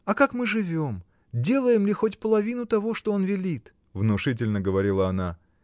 А как мы живем: делаем ли хоть половину того, что он велит? — внушительно говорила она.